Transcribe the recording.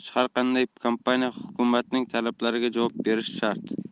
har qanday kompaniya hukumatning talablariga javob berishi shart